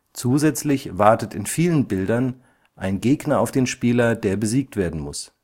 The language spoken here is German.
Zusätzlich wartet in vielen Bildern ein Gegner auf den Spieler, der besiegt werden muss